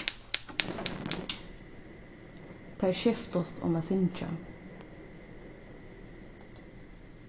tær skiftust um at syngja